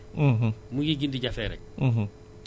gis nañ ko koom-koom bi ci mbirum mbay